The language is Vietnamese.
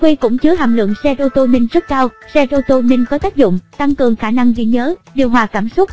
kiwi cũng chứa hàm lượng serotonin rất cao serotonin có tác dụng tăng cường khả năng ghi nhớ điều hòa cảm xúc